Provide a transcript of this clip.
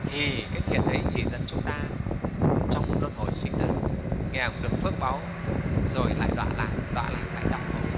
thì cái thiện ấy chỉ dẫn chúng ta trong luân hồi sinh tử được phước báu rồi lại đọa lạc đọa lạc lại đau khổ